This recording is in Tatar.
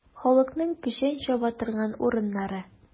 Халыкның печән чаба торган урыннары.